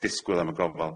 disgwyl am y gofal.